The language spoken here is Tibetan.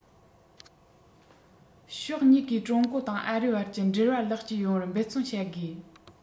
ཕྱོགས གཉིས ཀས ཀྲུང གོ དང ཨ རིའི བར གྱི འབྲེལ བ ལེགས བཅོས ཡོངས བར འབད བརྩོན བྱ དགོས